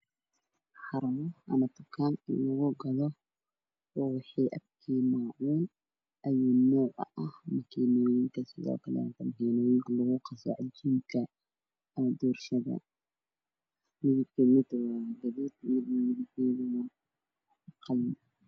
Dukaan ama market lagu gado ubax iyo maacuun nooc walba ah ubaxyada waxay ka kooban yihiin madow cagaar jaallo gudu byo weerar badan